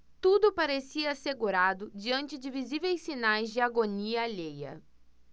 tudo parecia assegurado diante de visíveis sinais de agonia alheia